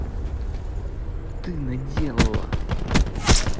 ты наделала